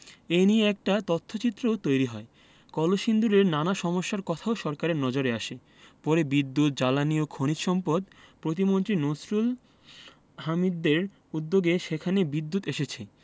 এ নিয়ে একটি তথ্যচিত্রও তৈরি করা হয় কলসিন্দুরের নানা সমস্যার কথাও সরকারের নজরে আসে পরে বিদ্যুৎ জ্বালানি ও খনিজ সম্পদ প্রতিমন্ত্রী নসরুল হামিদদের উদ্যোগে সেখানে বিদ্যুৎ এসেছে